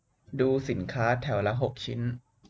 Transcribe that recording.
ดูสินค้าแถวละหกชิ้น